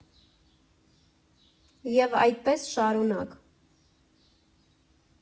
Եվ այդպես շարունակ։